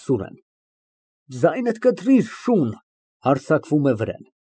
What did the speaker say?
ՍՈՒՐԵՆ ֊ Ձայնդ կտրիր, շուն։ (Հարձակվում է վրեն)։